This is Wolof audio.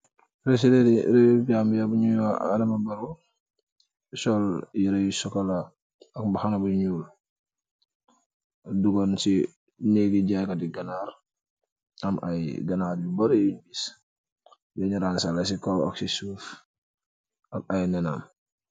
Peresideni rëwu Gambiya bi ñyuy wax Adama Baro. sol yirëy yu sokola ak mbaxana bu ñuul .Duga ci neggi jaaykati ganaar. Am ay ganaar yu bari yum gis yuñge rangsele ci cow ak ci suuf ak ay nenam.